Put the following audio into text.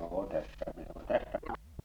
joo tässä minä olen tässä